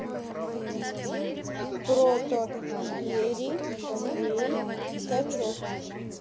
протоиерей андрей ткачев